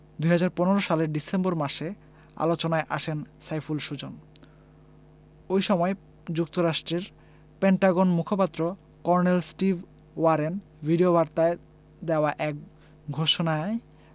২০১৫ সালের ডিসেম্বর মাসে আলোচনায় আসেন সাইফুল সুজন ওই সময় যুক্তরাষ্ট্রের পেন্টাগন মুখপাত্র কর্নেল স্টিভ ওয়ারেন ভিডিওবার্তায় দেওয়া এক ঘোষণায়